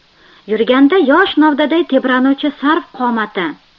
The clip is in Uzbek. yurganda yosh novdaday tebranuvchi sarv qomati